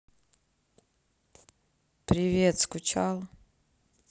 привет скучал